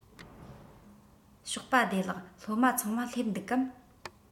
ཞོགས པ བདེ ལེགས སློབ མ ཚང མ སླེབས འདུག གམ